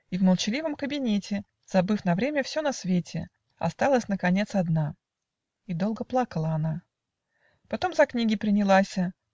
И в молчаливом кабинете, Забыв на время все на свете, Осталась наконец одна, И долго плакала она. Потом за книги принялася.